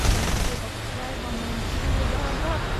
Som betyr at jeg har noen frie dager.